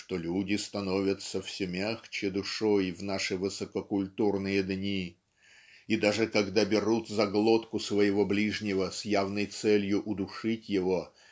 что люди становятся все мягче душой в наши высококультурные дни и даже когда берут за глотку своего ближнего с явной целью удушить его